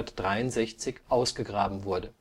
63 ausgegraben wurde